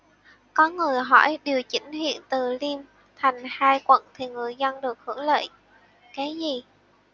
có người hỏi điều chỉnh huyện từ liêm thành hai quận thì người dân được hưởng lợi cái gì